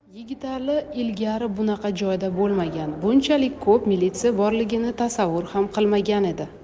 yigitali ilgari bunaqa joyda bo'lmagan bunchalik ko'p milisa borligini tasavvur ham qilmagan edi